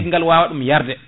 leggal ngal wawa ɗum yarde